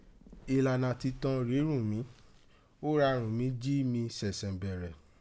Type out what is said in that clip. Ilana titọn rèé ghún mi, ó ra ghùn mí jí mi sẹ̀nsẹ̀ bẹrẹ.